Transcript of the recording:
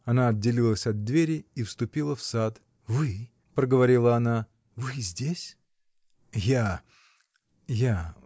Она отделилась от двери и вступила в сад. -- Вы? -- проговорила она. -- Вы здесь? -- Я. я.